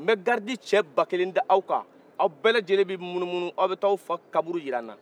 n bɛ garidi cɛ ba kelen da aw kan a bɛɛ lajɛlen bɛ munumunu a bɛ taa a fa kaburu jira n na